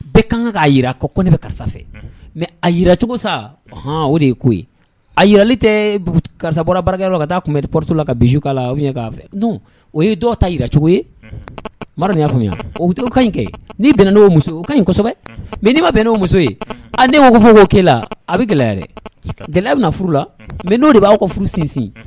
Bɛɛ kan k'a jira kɔ kɔnɛ bɛ karisa mɛ a yicogo saɔn o de ye ko a yili tɛ karatabara barika ka taa kun porotu la ka la o ye ta jiracogo ye y'a faamuya o bɛ to ka ɲi kɛ ni bɛn o muso ka ɲi kosɛbɛ mɛ ne ma bɛn n'o muso ye ne mako fɔ'o kɛlen la a bɛ gɛlɛya gɛlɛya bɛ na furu la mɛ n'o de b'a ka furu sinsin